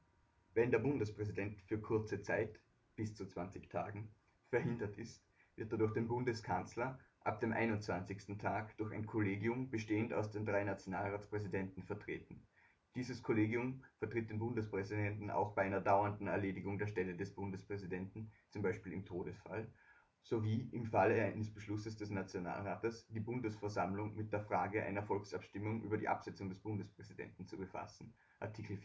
Bundespräsident für kurze Zeit (bis zu 20 Tagen) verhindert ist, wird er durch den Bundeskanzler, ab dem 21. Tag durch ein Kollegium bestehend aus den drei Nationalratspräsidenten vertreten. Dieses Kollegium vertritt den Bundespräsidenten auch bei einer „ dauernden Erledigung der Stelle des Bundespräsidenten “(z. B. im Todesfall) sowie im Falle eines Beschlusses des Nationalrats, die Bundesversammlung mit der Frage einer Volksabstimmung über die Absetzung des Bundespräsidenten zu befassen (Art. 64